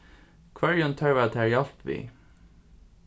hvørjum tørvar tær hjálp við